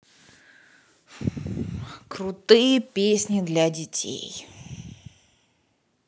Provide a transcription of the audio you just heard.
крутые песни для детей